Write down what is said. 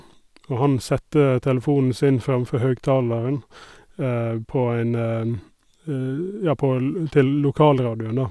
Og han satte telefonen sin framfor høgtaleren, på en, ja, på l til lokalradioen, da.